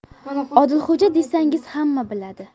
odilxo'ja desangiz hamma biladi